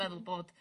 ...meddwl bod